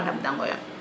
a ndaɓ dangoyo